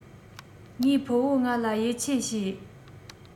ངའི ཕུ བོ ང ལ ཡིད ཆེས བྱེད